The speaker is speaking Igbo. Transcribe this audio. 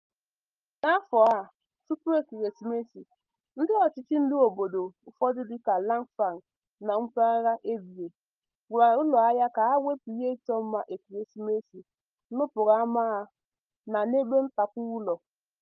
N'afọ a, tupu ekeresimesi, ndị ọchịchị n'obodo ụfọdụ dịka Langfang, na mpaghara Hebei, gwara ụlọahịa ka ha wepụ ihe ịchọ mma ekeresimesi n'okporo ámá ha na n'ebe ntapu ụlọ.